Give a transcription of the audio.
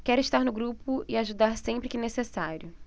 quero estar no grupo e ajudar sempre que necessário